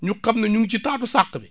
ñu xam ne ñu ngi ci taatu saq bi